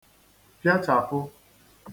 pịachàpụ